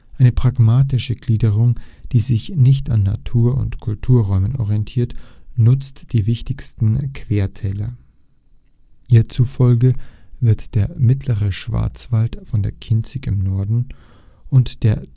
Eine pragmatische Gliederung, die sich nicht an Natur - und Kulturräumen orientiert, nutzt die wichtigsten Quertäler. Ihr zufolge wird der Mittlere Schwarzwald von der Kinzig im Norden und der